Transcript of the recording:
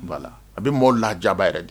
'a la a bɛ maaw la jaba yɛrɛ de